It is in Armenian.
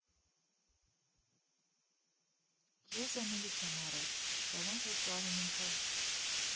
Ես Էմիլից եմ առել, թե ո՜նց էր ճարում ինքը։